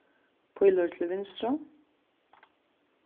pílur til vinstru